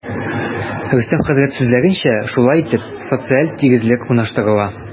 Рөстәм хәзрәт сүзләренчә, шулай итеп, социаль тигезлек урнаштырыла.